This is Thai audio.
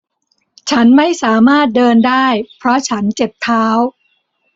ฉันไม่สามารถเดินได้เพราะฉันเจ็บเท้า